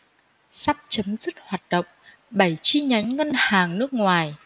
sắp chấm dứt hoạt động bảy chi nhánh ngân hàng nước ngoài